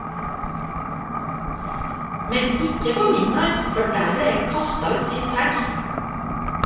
Men IKKE på Midnight, for der ble jeg kasta ut sist helg.